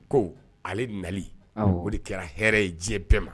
Ko ale nali o de kɛra hɛrɛɛ ye diɲɛ bɛɛ ma